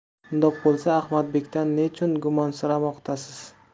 undoq bo'lsa ahmadbekdan nechun gumonsiramoqdasiz